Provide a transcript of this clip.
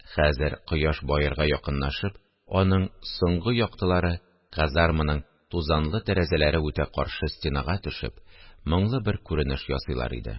Хәзер кояш баерга якынлашып, аның соңгы яктылары казарманың тузанлы тәрәзәләре үтә каршы стенага төшеп, моңлы бер күренеш ясыйлар иде